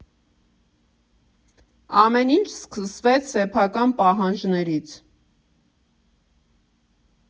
Ամեն ինչ սկսվեց սեփական պահանջներից։